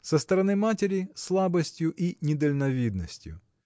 со стороны матери – слабостью и недальновидностью.